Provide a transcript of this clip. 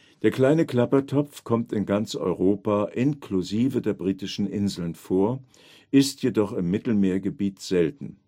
Der Kleine Klappertopf kommt in ganz Europa inklusive der britischen Inseln vor, ist jedoch im Mittelmeergebiet selten